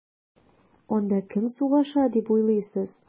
Анда кем сугыша дип уйлыйсыз?